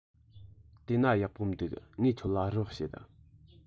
དེ ན ཡག པོ འདུག ངས ཁྱོད ལ རོགས བྱེད